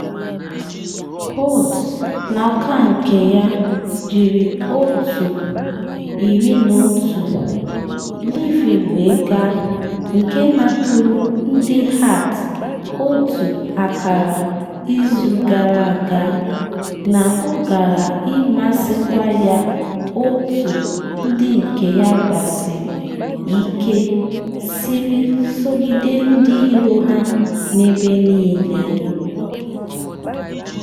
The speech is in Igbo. Holt, n’aka nke ya, jiri otu 11 Livi wee gaa, nke napụrụ ndị Hearts otu akara izu gara aga, na ọ gaara ịmasịkwa ya otu ndị nke ya gbasiri ike siri sogide ndị iro ha n’ebe niile.